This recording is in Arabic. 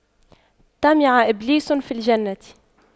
طمع إبليس في الجنة